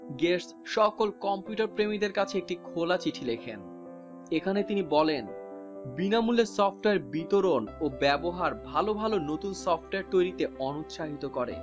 gate সকল computer প্রেমীদের কাছে একটি খোলা চিঠি লিখেন এখানে তিনি বলেন বিনামূল্যে সফটওয়্যার বিতরণ ও ব্যবহার ভালো ভালো কোন নতুন সফটওয়্যার তৈরিতে অনুৎসাহিত করে